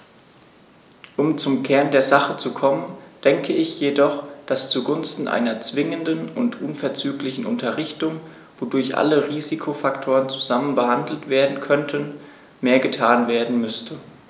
Um zum Kern der Sache zu kommen, denke ich jedoch, dass zugunsten einer zwingenden und unverzüglichen Unterrichtung, wodurch alle Risikofaktoren zusammen behandelt werden könnten, mehr getan werden müsste.